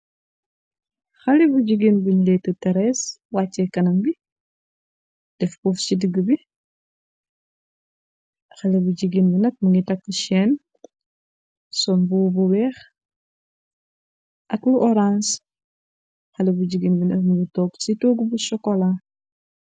Xalèh bu jigeen buñ lètta teress waccè kanam ngi dèf puss ci digibi. Xalèh bu jigeen bi nak mugii takka cèèn sol mbubu bu wèèx ak lu orans. Xalèh bu jigeen bi nak mugii tóóg ci tóógu bu sokola.